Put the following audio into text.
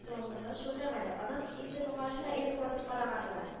Лануыннан шүрләмәде, аның инде моңарчы да әйбер ватып караганы бар